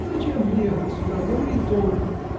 — Зачем приехал сюда: говори толком!